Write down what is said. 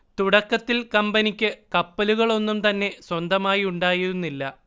തുടക്കത്തിൽ കമ്പനിക്ക് കപ്പലുകളൊന്നും തന്നെ സ്വന്തമായുണ്ടായിരുന്നില്ല